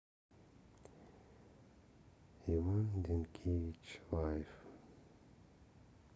иван зинкевич лайф